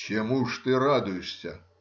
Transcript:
— Чему же ты радуешься?